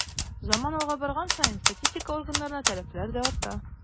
Заман алга барган саен статистика органнарына таләпләр дә арта.